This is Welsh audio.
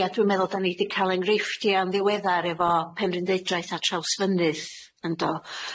Ia dwi'n meddwl da ni 'di ca'l enghreifftiau yn ddiweddar efo Penrhyndeudraeth a Trawsfynydd. Yndo?